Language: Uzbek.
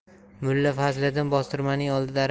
mulla fazliddin bostirmaning oldida